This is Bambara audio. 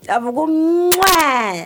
A fɔ ko mmmwɛɛɛ